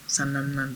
Sanda